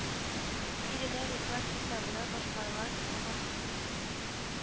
Биредә реклам хисабына башкарылган керем арткан